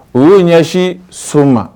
U ye ɲɛsin so ma